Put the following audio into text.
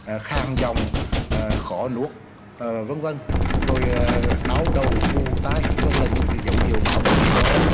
khàn giọng khó nuốt ở vân vân rồi đau đầu ù tai vân là những dấu hiệu báo động cho